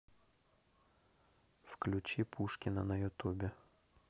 включи пушкина на ютубе